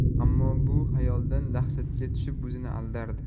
ammo bu xayoldan dahshatga tushib o'zini aldardi